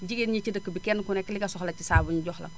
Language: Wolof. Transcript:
jigéen ñi ci dëkk bi kenn ku nekk li nga soxla ci saabu ñu jox la ko